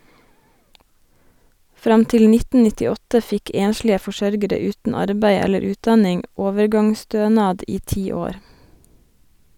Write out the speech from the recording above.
Fram til 1998 fikk enslige forsørgere uten arbeid eller utdanning overgangsstønad i ti år.